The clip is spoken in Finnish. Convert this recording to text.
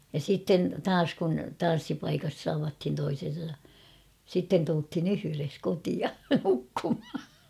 ja sitten taas kun tanssipaikassa tavattiin toisensa sitten tultiin yhdessä kotiin nukkumaan